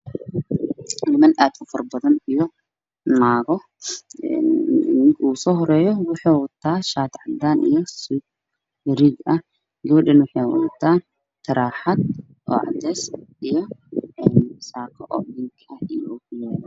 Waa hool waxaa fadhiya dad farabadan oo niman iyo naaga ah waxa ay ku fadhiyaan kuraas guduudan suudi ayay wataan cabaado taraxado